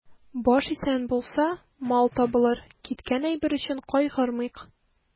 Баш исән булса, мал табылыр, киткән әйбер өчен кайгырмыйк.